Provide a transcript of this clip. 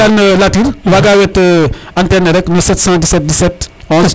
a fiya ngan Latir waga wet antenne ne rek no 7171711